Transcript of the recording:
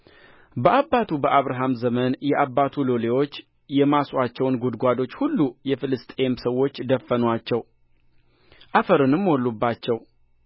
በአባቱ በአብርሃም ዘመን የአባቱ ሎሌዎች የማሱአቸውን ጕድጓዶች ሁሉ የፍልስጥኤም ሰዎች ደፈኑአቸው አፈርንም ሞሉባቸው